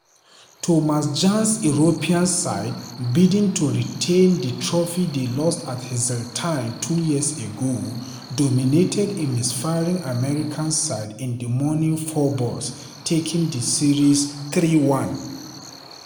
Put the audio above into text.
Thomas Bjorn's European side, bidding to retain the trophy they lost at Hazeltine two years ago, dominated a misfiring American side in the morning fourballs, taking the series 3-1.